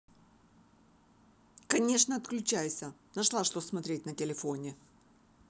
конечно отключайся нашла что смотреть на телефоне